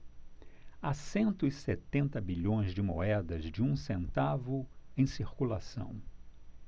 há cento e setenta bilhões de moedas de um centavo em circulação